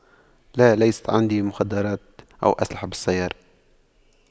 لا ليست عندي مخدرات أو أسلحة بالسيارة